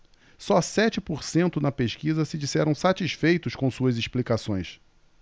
só sete por cento na pesquisa se disseram satisfeitos com suas explicações